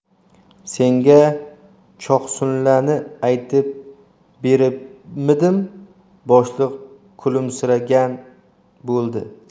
senga choqsunla ni aytib beribmidim boshliq kulimsiragan bo'ldi